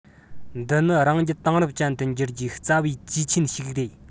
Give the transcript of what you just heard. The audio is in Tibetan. འདི ནི རང རྒྱལ དེང རབས ཅན དུ འགྱུར རྒྱུའི རྩ བའི ཇུས ཆེན ཞིག རེད